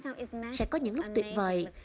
sẽ có những lúc tuyệt vời